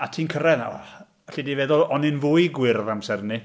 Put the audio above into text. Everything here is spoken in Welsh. a ti'n cyrraedd 'na , alli di feddwl, o'n i'n fwy gwyrdd amser 'ny.